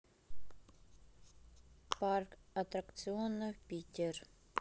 парк аттракционов питер